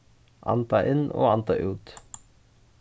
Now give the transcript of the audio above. anda inn og anda út